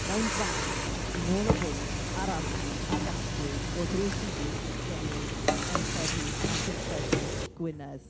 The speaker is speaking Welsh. mewn fan i nôl y bwyd, a'r arian a gasglwyd, o ddrws i ddrws, gennym yn nhrefi a phentrefi Gwynedd.